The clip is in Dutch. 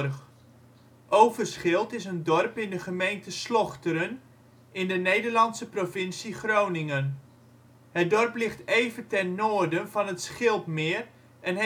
t Schild) is een dorp in de gemeente Slochteren in de Nederlandse provincie Groningen. Het dorp ligt even ten noorden van het Schildmeer en